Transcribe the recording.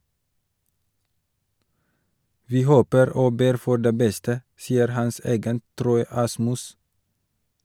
- Vi håper og ber for det beste, sier hans agent Troy Asmus.